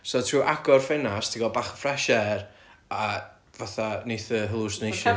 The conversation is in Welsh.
so trwy agor ffenast ti'n ga'l bach o fresh air a fatha neith y hallucinations...